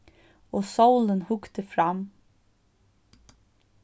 og sólin hugdi fram